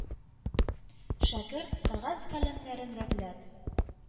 Шәкерт, кәгазь-каләмнәрен рәтләп,